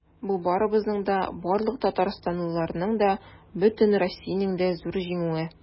Бу барыбызның да, барлык татарстанлыларның да, бөтен Россиянең дә зур җиңүе.